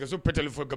Ka pli